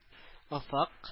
Офык